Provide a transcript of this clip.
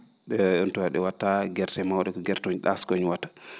oon tuma ?e wattaa gerse maw?e gertoñ ?aaskoñ watta